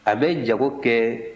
a bɛ jago kɛ